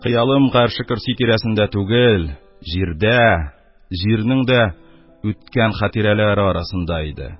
Хыялым гарше көрси тирәсендә түгел, җирдә, җирнең дә үткән хатирәләре арасында иде.